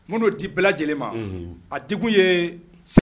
Mon'o di bɛɛ lajɛlen ma unhun a di kun yee s